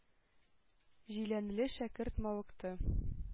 Җиләнле шәкерт мавыкты.